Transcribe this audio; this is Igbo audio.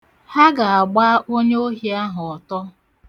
Ha ga-agba onye ohi ahụ ọtọ.